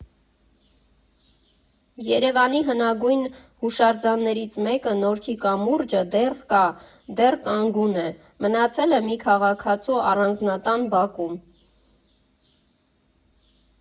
Երևանի հնագույն հուշարձաններից մեկը՝ Նորքի կամուրջը, դեռ կա, դեռ կանգուն է ֊ մնացել է մի քաղաքացու առանձնատան բակում։